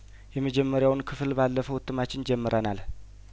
የመጀመሪያውን ክፍል ባለፈው እትማችን ጀምረናል